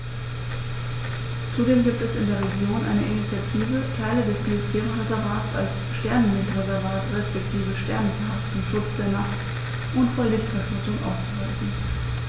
Zudem gibt es in der Region eine Initiative, Teile des Biosphärenreservats als Sternenlicht-Reservat respektive Sternenpark zum Schutz der Nacht und vor Lichtverschmutzung auszuweisen.